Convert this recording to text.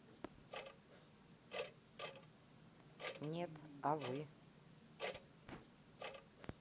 нет а вы